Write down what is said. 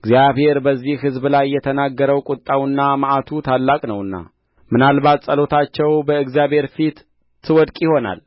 እግዚአብሔር በዚህ ሕዝብ ላይ የተናገረው ቍጣውና መዓቱ ታላቅ ነውና ምናልባት ጸሎታቸው በእግዚአብሔር ፊት ትወድቅ ይሆናል